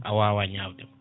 a wawa ñawdemo